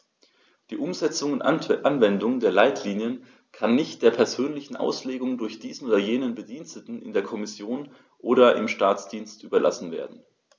Die Umsetzung und Anwendung der Leitlinien kann nicht der persönlichen Auslegung durch diesen oder jenen Bediensteten in der Kommission oder im Staatsdienst überlassen werden.